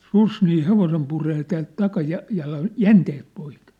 susi niin hevosen puree täältä - takajalan jänteet poikki